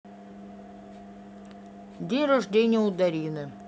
день рождения у дарины